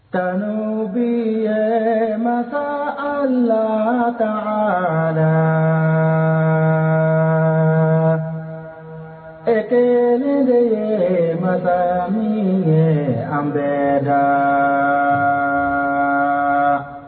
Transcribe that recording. San miniyan mansa la ka la ɛ kelen le ye mansa min an bɛ la